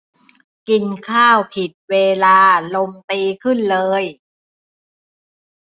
กินข้าวผิดเวลาลมตีขึ้นเลย